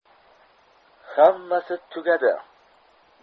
hammasi tugadi